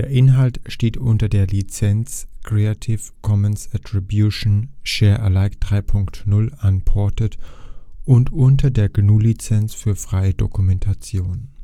Inhalt steht unter der Lizenz Creative Commons Attribution Share Alike 3 Punkt 0 Unported und unter der GNU Lizenz für freie Dokumentation